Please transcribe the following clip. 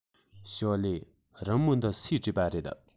ཞོའོ ལིའི རི མོ འདི སུས བྲིས པ རེད